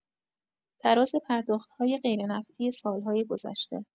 تراز پرداخت‌های غیرنفتی سال‌های گذشته